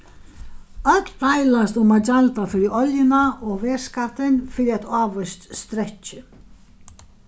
øll deilast um at gjalda fyri oljuna og vegskattin fyri eitt ávíst strekki